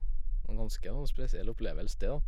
Var en ganske sånn spesiell opplevelse det, da.